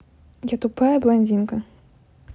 я тупая блондинка